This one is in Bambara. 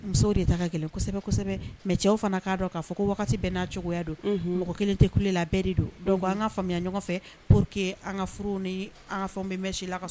Musow de ta gɛlɛnsɛbɛsɛbɛ mɛ cɛw fana k'a dɔn k'a fɔ ko bɛɛ n'a cogoya don mɔgɔ kelen tɛ kule la bɛɛ de don an ka faamuya ɲɔgɔn fɛ po que an ka furu ni an fɛn bɛ si laka